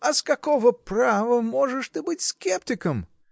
А с какого права можешь ты быть скептиком?